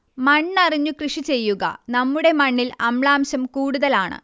മണ്ണ് അറിഞ്ഞു കൃഷി ചെയ്യുക, നമ്മുടെ മണ്ണിൽ അമ്ലാംശം കൂടുതലാണ്